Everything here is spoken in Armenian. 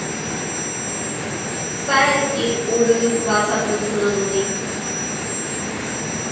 Սա էլ իր ուրույն բացատրությունն ունի։